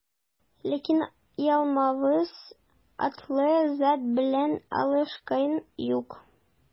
Ләкин Ялмавыз атлы зат белән алышкан юк.